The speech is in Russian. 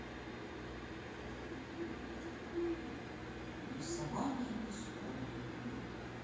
рисование песком